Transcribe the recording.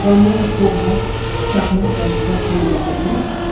doniyor ko'p vaqt chaqmoq dashtida qo'y boqib yurib